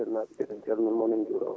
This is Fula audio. naaɓe kadi ene calmina moon ne juuromon